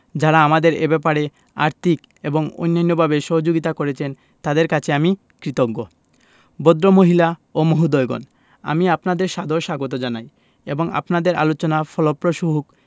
যারা আমাদের এ ব্যাপারে আর্থিক এবং অন্যান্যভাবে সহযোগিতা করেছেন তাঁদের কাছে আমি কৃতজ্ঞ ভদ্রমহিলা ও মহোদয়গণ আমি আপনাদের সাদর স্বাগত জানাই এবং আপনাদের আলোচনা ফলপ্রসূ হোক